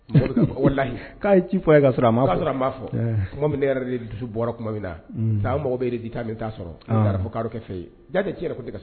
Wallahi K'a ye ci f'a ye k'a sɔrɔ a ma fɔ a ye, kuma min ne yɛrɛ de dusu bɔra tuma min na, sisan an mago bɛ resultat min i t'a sɔrɔ, ne taar fɔ kadɔ kɛ fɛ yen!